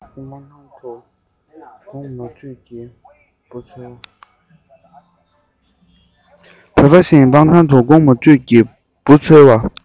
བོད པ བཞིན སྤང ཐང དུ གུག མ དུད ཀྱིས འབུ འཚོལ བ